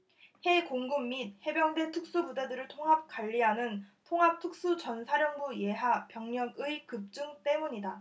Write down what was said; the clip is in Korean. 해 공군및 해병대 특수부대들을 통합 관리하는 통합특수전사령부 예하 병력의 급증 때문이다